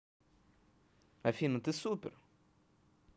афина ты супер